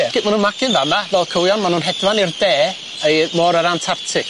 Ge- ma' n'w'n magu'n fa' 'ma fel cywion ma' n'w'n hedfan i'r de ei môr yr Antartic.